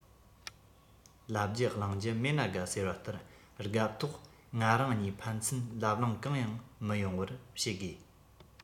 ལབ རྒྱུ གླེང རྒྱུ མེད ན དགའ ཟེར བ ལྟར སྒབས ཐོག ང རང གཉིས ཕན ཚུན ལབ གླེང གང ཡང མི ཡོང བར བྱེད དགོས